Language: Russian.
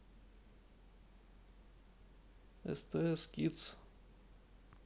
стс кидс